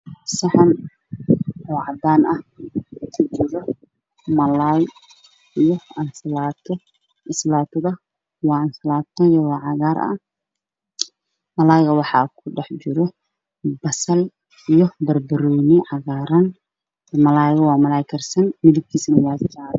Waa saxan cadaan waxaa ku jirta khudaar iyo helin jabsi ah